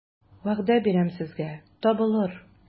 Вәгъдә бирәм сезгә, табылыр...